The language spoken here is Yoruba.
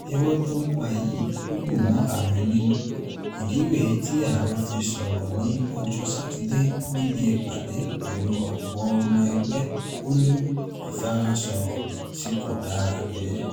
Irọ́ tó ń pa yìí ‘ò dùn mọ́ ààrẹ nínú. Ìdí rẹ̀ẹ́ ti ààrẹ fi sọ̀rọ̀ ní ọjọ́ Sátidé níbi ìpàdé pẹ̀lú ọ̀pọ̀ ọmọ ẹgbẹ́. Ó ní: “Ìfarasọ̀rọ̀ tí kò dára rèé